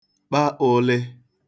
kpa ụ̄lị̄